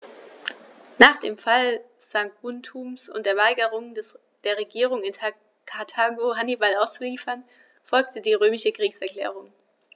Nach dem Fall Saguntums und der Weigerung der Regierung in Karthago, Hannibal auszuliefern, folgte die römische Kriegserklärung.